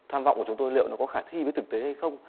tham vọng của chúng tôi liệu nó có khả thi với thực tế hay không